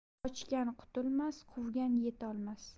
qochgan qutulmas quvgan yetolmas